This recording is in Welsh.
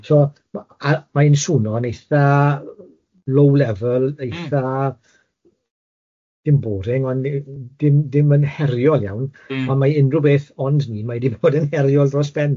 So a mae'n swno'n eitha low level eitha, dim boring ond dim dim yn heriol iawn... Mm. ...ond mae unrhyw beth ond ni mae di bod yn heriol dros ben.